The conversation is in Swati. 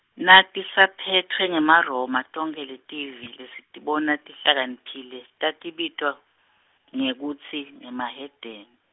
natisaphetfwe ngeMaroma tonkhe letive lesitibona tihlakaniphile, tatibitwa, ngekutsi ngemahedeni.